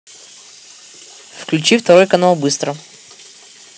включи второй канал быстро